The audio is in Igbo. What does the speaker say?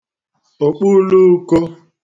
òkpuluūkō